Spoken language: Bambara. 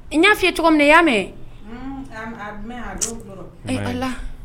N y'a fɔ i ye cogo min i y'a mɛn , un un, a mɛn ye, a don ye n kulo la ee allah